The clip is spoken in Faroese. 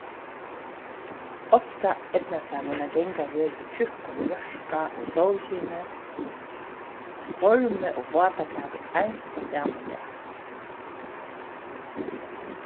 ofta eydnast teimum at ganga her í tjúkkum mjørka og sólskini og stormi og vátakava ein og sama dag